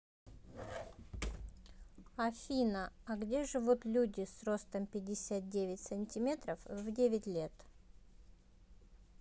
афина а где живут люди с ростом пятьдесят девять сантиметров в девять лет